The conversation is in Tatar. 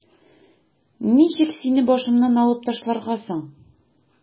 Ничек сине башымнан алып ташларга соң?